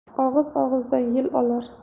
og'iz og'izdan yel olar